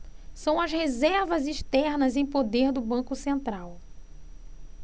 são as reservas externas em poder do banco central